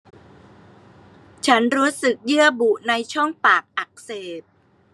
ฉันรู้สึกเยื่อบุในช่องปากอักเสบ